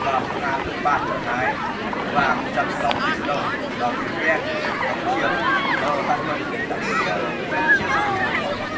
và phương án đồng bạt của thái và một trăm sáu mươi triệu đồng vào tiền ren của cam pu chia ở bạn tuấn đã đi cam pu chia rồi đúng không ạ